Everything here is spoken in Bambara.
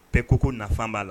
Ko ko ko nafa b'a la